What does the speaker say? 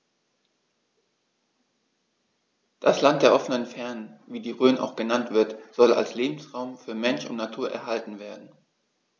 Das „Land der offenen Fernen“, wie die Rhön auch genannt wird, soll als Lebensraum für Mensch und Natur erhalten werden.